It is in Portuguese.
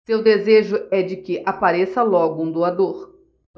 seu desejo é de que apareça logo um doador